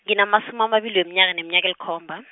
nginamasumi amabili weminyaka neminyaka elikhomba.